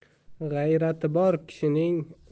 g'ayrati bor kishining